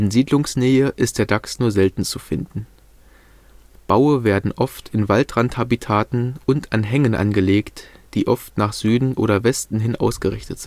Siedlungsnähe ist der Dachs nur selten zu finden. Baue werden oft in Waldrandhabitaten und an Hängen angelegt, die oft nach Süden oder Westen hin ausgerichtet